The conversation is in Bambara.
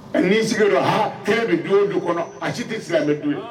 du o du kɔnɔ a si tɛ sira